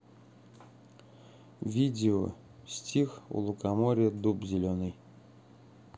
видео стих у лукоморья дуб зеленый